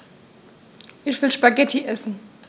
Ich will Spaghetti essen.